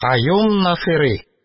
Каюм Насыйри